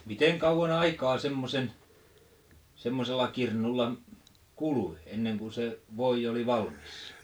miten kauan aikaa semmoisen semmoisella kirnulla kului ennen kuin se voi oli valmis